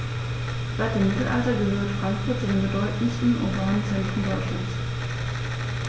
Seit dem Mittelalter gehört Frankfurt zu den bedeutenden urbanen Zentren Deutschlands.